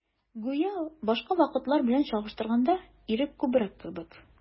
Гүя башка вакытлар белән чагыштырганда, ирек күбрәк кебек.